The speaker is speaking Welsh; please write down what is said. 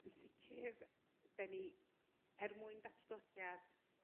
yn sicr 'de' ni er mwyn datblygiad